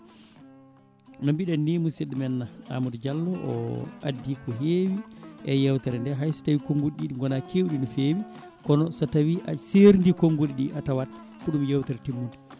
no mbiɗen ni musidɗo men Amadou Diallo o addi ko heewi e yewtere nde hayso tawi konguɗiɗi ɗi goona kewɗi no fewi kono so tawi a serdi konguɗiɗi a tawat ko ɗum yewtere tigui